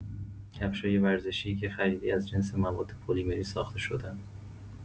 کفشای ورزشی که خریدی از جنس مواد پلیمری ساخته شده‌ن.